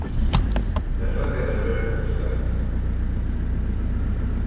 tær søgdu at tær gjørdu einki skeivt